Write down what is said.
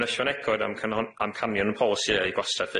Yn ychwanegor o ran canhon- amcanion polisïau gwastraff